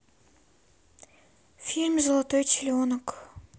фильм золотой теленок